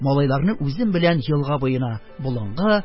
Малайларны үзем белән елга буена, болынга,